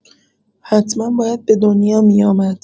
حتما باید به دنیا می‌آمد